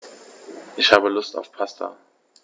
Ich habe Lust auf Pasta.